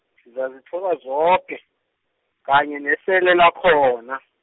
sizazithola zoke kanye nesela lakhona.